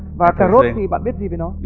và cà rốt thì bạn biết gì về nó